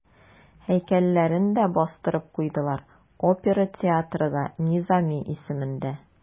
Һәйкәлләрен дә бастырып куйдылар, опера театры да Низами исемендә.